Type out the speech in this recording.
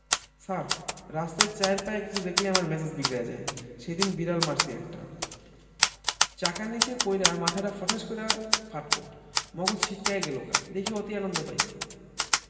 ছার রাস্তায় চাইর পায়া কিছু দেখলেই আমার মেজাজ বিগড়ায়া যায় সেইদিন বিড়াল মারছি একটা চাকার নিচে পইড়া মাথাডা ফটাস কইরা ফাটলো মগজ ছিটকায়া গেলোগা দেইখা অতি আনন্দ পাইছি